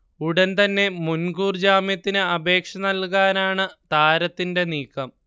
ഉടൻ തന്നെ മുൻകൂർ ജാമ്യത്തിന് അപേക്ഷ നൽകാനാണ് താരത്തിന്റെ നീക്കം